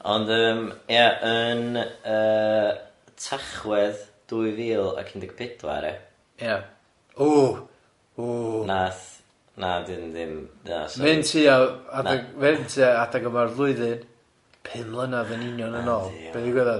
Ond yym ia yn yy Tachwedd dwy fil ac un deg pedwar ia? Ia. Ww ww nath na dim ddim na sai'n... Mynd tua adeg ma hyn tua adeg yma'r flwyddyn, pum mlynadd yn union yn ôl be ddigwyddodd?